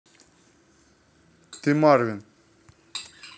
ты марвин